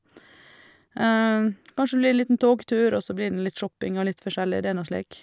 Kanskje det blir en liten togtur, og så blir det nå litt shopping og litt forskjellig, det er nå slik.